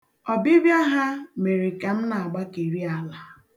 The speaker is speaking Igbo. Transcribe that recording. Ọbịbịa ha mere ka m na-agbakeri ala.